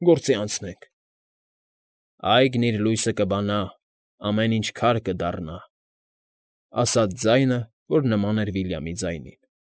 Գործի անցեք։ ֊ Այգին իր լույսը կբանա, ամեն ինչ քար կդառնա…֊ ասաց ձայնը, որ նման էր Վիլյամի ձայնին։